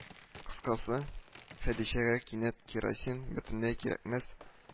Кыскасы, Хәдичәгә кинәт керосин бөтенләй кирәкмәс